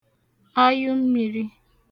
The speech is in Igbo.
ayụmmiri